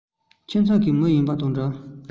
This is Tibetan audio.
ཁྱིམ ཚང གི མི ཡིན དང འདྲ